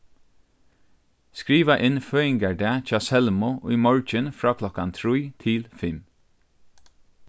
skriva inn føðingardag hjá selmu í morgin frá klokkan trý til fimm